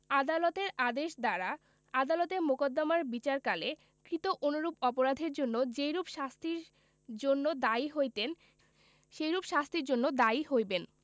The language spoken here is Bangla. আদালতের আদেশ দ্বারা আদালতে মোকদ্দমার বিচারকালে কৃত অনুরূপ অপরাধের জন্য যেইরূপ শাস্তির জন্য দায়ী হইতেন সেইরূপ শাস্তির জন্য দায়ী হইবেন